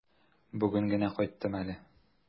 Бүген генә кайттым әле.